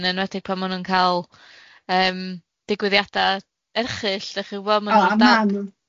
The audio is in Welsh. yn enwedig pan ma' nw'n cal yym digwyddiada erchyll, dach chi gwybo?